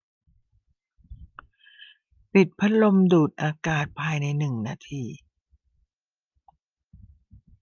ปิดพัดลมดูดอากาศภายในหนึ่งนาที